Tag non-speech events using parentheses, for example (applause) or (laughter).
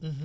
(hesitation) (hesitation)